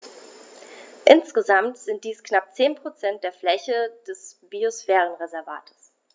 Insgesamt sind dies knapp 10 % der Fläche des Biosphärenreservates.